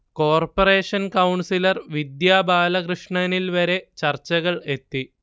corporation councillor Vidya ബാലകൃഷ്ണനിൽ വരെ ചർച്ചകൾ എത്തി